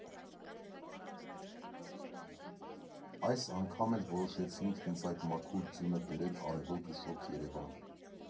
Այս անգամ էլ որոշեցինք հենց այդ մաքուր ձյունը բերել արևոտ ու շոգ Երևան.